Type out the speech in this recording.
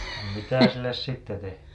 mitä sille sitten tehdään